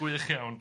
Gwych iawn.